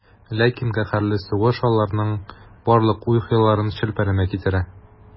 Ләкин каһәрле сугыш аларның барлык уй-хыялларын челпәрәмә китерә.